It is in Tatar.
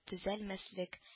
Төзәлмәслек